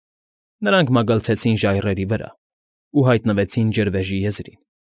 Նրանք մագլցեցին ժայռերի վրա ու հայտնվեցին ջրվեժի եզրին։